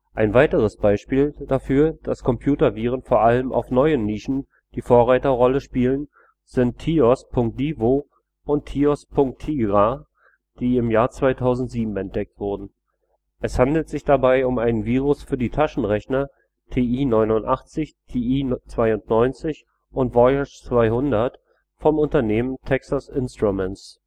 Ein weiteres Anzeichen dafür, dass Computerviren vor allem auf neuen Nischen die Vorreiterrolle spielen, sind TiOS.Divo und TiOS.Tigraa, die im Jahr 2007 entdeckt wurden. Es handelt sich dabei um einen Virus für die Taschenrechner TI-89, TI-92 und Voyage 200 vom Unternehmen Texas Instruments